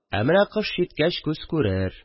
Ә менә кыш җиткәч – күз күрер.